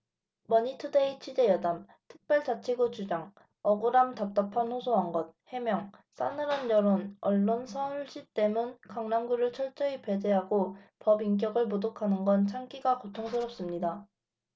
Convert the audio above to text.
머니투데이 취재여담 특별자치구 주장 억울함 답답함 호소한 것 해명 싸늘한 여론 언론 서울시 때문 강남구를 철저히 배제하고 법인격을 모독하는 건 참기가 고통스럽습니다